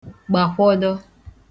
gbàkwhọdọ